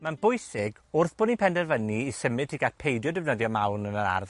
Ma'n bwysig, wrth bo' ni penderfynu i symud tuag at peidio defnyddio mawn yn yr ardd